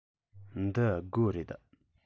འདི སྒོ རེད